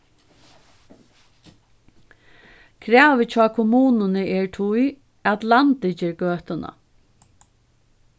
kravið hjá kommununi er tí at landið ger gøtuna